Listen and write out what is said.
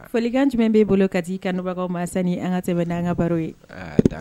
Folilikan jumɛn bɛe bolo kati kanbagaw ma sa an ka tɛmɛ anga baro ye